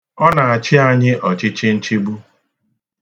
Ọ na-achị anyị ọchịchị nchigbu